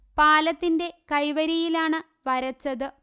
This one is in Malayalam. പാലത്തിന്റെ കൈവരിയിലാണ് വരച്ചത്